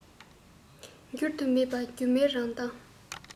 བསྒྱུར དུ མེད པ སྒྱུ མའི རང མདངས